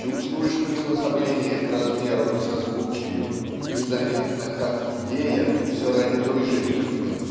чувствуешь приспособление к размеру и созвучию и заметно как идея все ради той же рифмы